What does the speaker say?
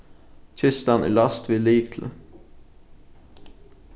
kistan er læst við lykli